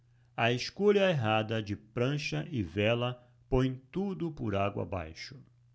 a escolha errada de prancha e vela põe tudo por água abaixo